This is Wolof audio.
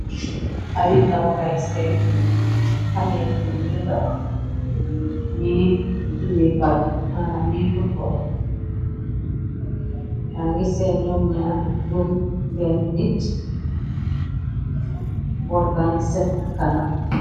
Ay ndaw ngay seen, xaleegu yu ndaw yi zude bal, manam yi footboy, ya ngi seen ñoom ña a jróom benn nit, bol bang sen cana.